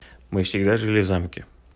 мы всегда жили в замке